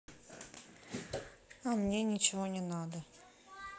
а мне ничего не надо